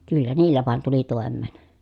kyllä niillä vain tuli toimeen